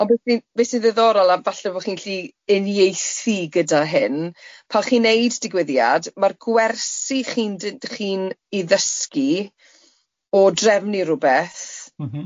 Ond beth sy'n beth sy'n ddiddorol, a falle bo chi'n gallu uniaethu gyda hyn, pan chi'n wneud digwyddiad, ma'r gwersi chi'n d- chi'n i ddysgu, o drefnu rwbeth... M-hm.